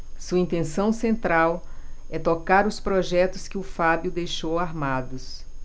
sua intenção central é tocar os projetos que o fábio deixou armados